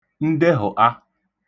ndehụ̀ṫa